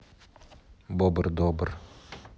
бобр добр